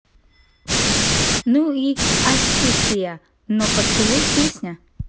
ну и assia но поцелуй песня